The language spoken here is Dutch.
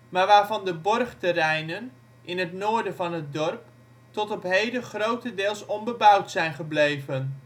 waarvan de borgterreinen (in het noorden van het dorp) tot op heden grotendeels onbebouwd zijn gebleven. Van